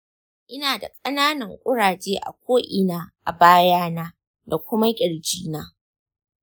ina da ƙananan kuraje a ko'ina a bayana da kuma ƙirjina.